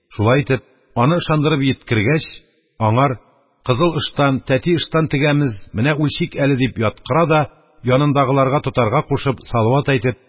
Шулай итеп, аны ышандырып йиткергәч, аңар: «Кызыл ыштан, тәти ыштан тегәмез, менә үлчик әле», – дип яткыра да, якындагыларга тотарга кушып, салават әйтеп: